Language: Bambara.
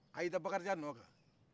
a y'i da bakarijan nɔfɛ